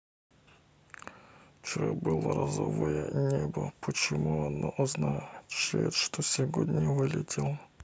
вчера было розовое небо почему оно означало что сегодня вылетело